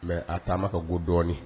Mais a taama ma ka go dɔɔnin